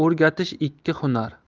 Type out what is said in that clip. o'rgatish ikki hunar